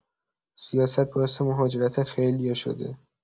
سیاست باعث مهاجرت خیلیا شده.